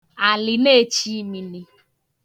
àlị̀nechimini